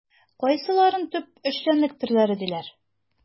Кайсыларын төп эшчәнлек төрләре диләр?